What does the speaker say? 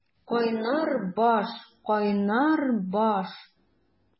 Кайнар баш, кайнар баш!